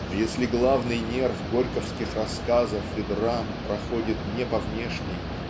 Но если главный нерв горьковских рассказов и драм проходит не по внешней